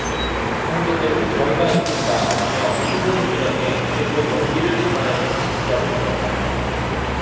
형제들 저희가 있습니다라며 피고인들에게 그래도 용기를 전하려는 지지자도 있었다